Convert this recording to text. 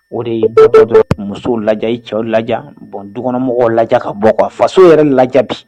O de ye bɔ dɔ dɔ musow lajɛ i cɛw la bɔn dukɔnɔmɔgɔw lajɛ ka bɔ ka faso yɛrɛ